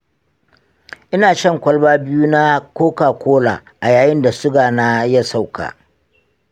ina shan kwalba biyu na kokakola a yayin da suga na ya sauka.